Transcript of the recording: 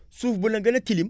suuf bu lma gën a tilim